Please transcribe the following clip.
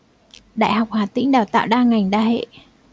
đại học hà tĩnh đào tạo đa ngành đa hệ